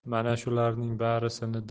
mana shularning barisini